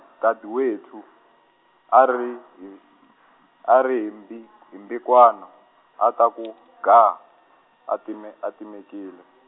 Daduwethu, a ri hi , a ri hi mbi-, hi mbhikwana, a taku ga, a time-, a timekile.